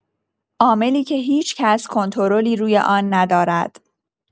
عاملی که هیچ‌کس کنترلی روی آن ندارد.